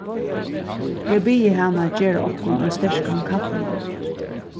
eg biði hana gera okkum ein sterkan kaffimunn